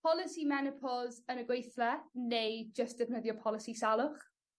Polisi menopos yn y gweithla neu jyst defnyddio polisi salwch?